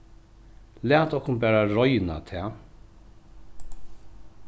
latið okkum bara royna tað